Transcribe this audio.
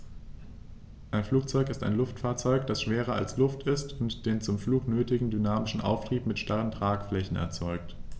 Ein Flugzeug ist ein Luftfahrzeug, das schwerer als Luft ist und den zum Flug nötigen dynamischen Auftrieb mit starren Tragflächen erzeugt.